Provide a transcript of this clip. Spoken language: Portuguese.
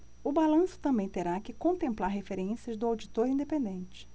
o balanço também terá que contemplar referências do auditor independente